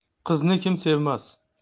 qizni kim sevmas